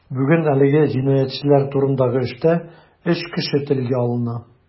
Бүген әлеге җинаятьләр турындагы эштә өч кеше телгә алына.